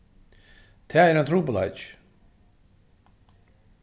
tað er ein trupulleiki